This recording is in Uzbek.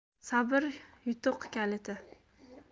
sabr yutuq kaliti